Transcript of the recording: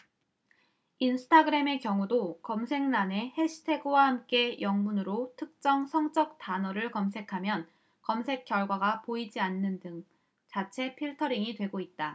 인스타그램의 경우도 검색란에 해시태그와 함께 영문으로 특정 성적 단어를 검색하면 검색 결과가 보이지 않는 등 자체 필터링이 되고 있다